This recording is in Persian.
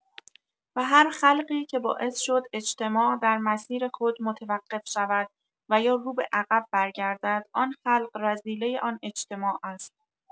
و هر خلقی که باعث شد اجتماع در مسیر خود متوقف شود و یا رو به‌عقب برگردد، آن خلق رذیله آن اجتماع است.